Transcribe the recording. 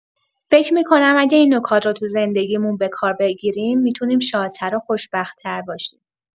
فکر می‌کنم اگه این نکات رو تو زندگیمون به کار بگیریم، می‌تونیم شادتر و خوشبخت‌تر باشیم.